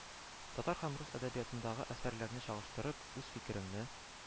Татар һəм рус əдəбиятындагы əсəрлəрне чагыштырып, үз фикереңне